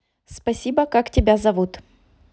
спасибо как тебя зовут